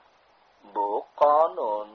bu qonun